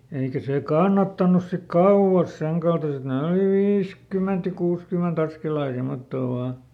eikä se kannattanut sitten kauas senkaltaiset ne oli viisikymmentä ja kuusikymmentä askelta ja semmottoon vain